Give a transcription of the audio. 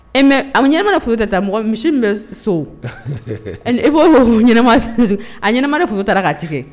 Ee mɛ a ɲɛnamina foyi ta mɔgɔ misi min bɛ so e b'o fɔ ɲɛnama a ɲɛnaɛnɛma f ta k'a ci